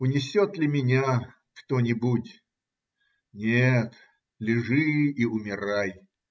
Унесет ли меня кто-нибудь? Нет, лежи и умирай.